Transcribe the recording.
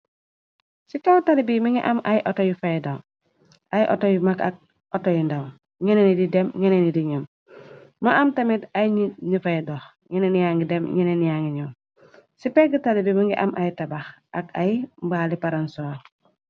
ci kaw talibi mi nga am ay auto yu mag ak auto yu ndaw nene nit di dem nenee nit di ñëm më am tamit ay nit ñu fay dox ngeneen yangi dem ñeneen yangi ñoom ci pegg talibi mi nga am ay tabax ak ay mbaali paransor.